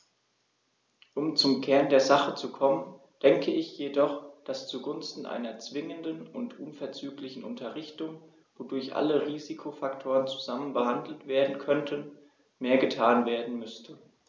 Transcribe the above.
Um zum Kern der Sache zu kommen, denke ich jedoch, dass zugunsten einer zwingenden und unverzüglichen Unterrichtung, wodurch alle Risikofaktoren zusammen behandelt werden könnten, mehr getan werden müsste.